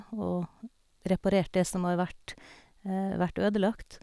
Og reparert det som har vært vært ødelagt.